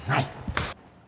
này